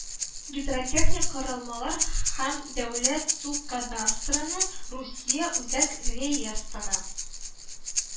Гидротехник Корылмалар һәм дәүләт су кадастрының Русия Үзәк реестыры